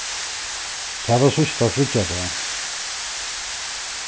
tað var síðsta fríggjadag